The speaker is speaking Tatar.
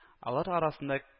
Алар арасында